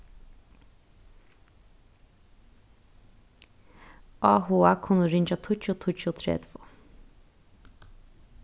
áhugað kunnu ringja tíggju tíggju tretivu